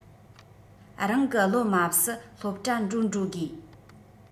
རང གི བློ མ བབས སུ སློབ གྲྭ འགྲོ འགྲོ དགོས